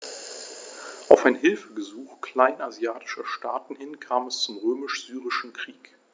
Auf ein Hilfegesuch kleinasiatischer Staaten hin kam es zum Römisch-Syrischen Krieg.